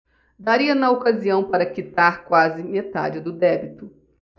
daria na ocasião para quitar quase metade do débito